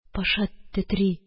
Паша тетри,